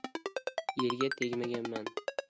erga tegmaganman